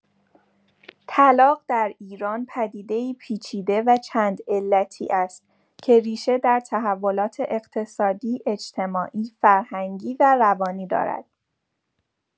طلاق در ایران پدیده‌ای پیچیده و چندعلتی است که ریشه در تحولات اقتصادی، اجتماعی، فرهنگی و روانی دارد.